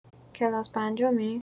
کلاس پنجمی؟